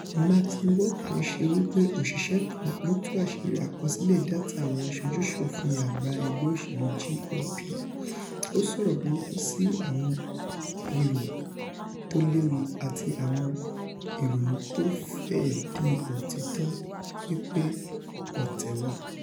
Maxine Walter ńṣẹ́ wí pé òṣìṣẹ́ kan ló tú àṣírí àkọsílẹ̀ dátà àwọn aṣojú-ṣòfin àgbà ẹgbẹ́ òṣèlú GOP, ó sọ̀rọ̀ burúkú sí 'àwọn irọ́ tóléwu' àti 'àwọn ìrònútófẹ́di-òtítọ́ wí pé ọ̀tẹ̀ wà'